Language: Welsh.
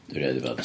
Dwi erioed 'di bod.